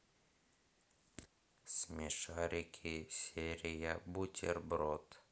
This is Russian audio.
смешарики серия бутерброд